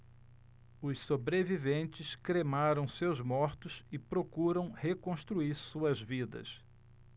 os sobreviventes cremaram seus mortos e procuram reconstruir suas vidas